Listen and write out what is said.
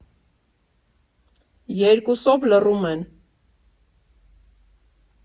Երկուսով լռում են։